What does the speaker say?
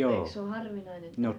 eikös se ollut harvinainen